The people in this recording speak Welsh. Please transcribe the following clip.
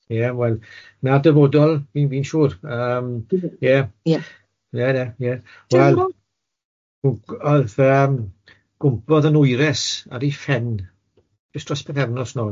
Ie wel, 'na'r dyfodol, fi'n fi'n siŵr yym ie... ie... ie ie wel o'dd yym gwmpodd yym gwmpodd 'yn wyres ar ei phen jyst dros pythefnos nôl.